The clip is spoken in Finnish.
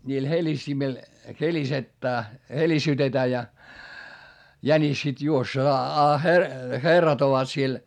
niillä helistimillä helistetään helisytetään ja jänis sitten - a herrat ovat siellä